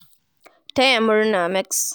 Taya murna MEX